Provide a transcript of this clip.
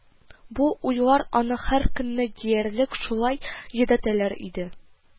Бу уйлар аны һәр көнне диярлек шулай йөдәтәләр иде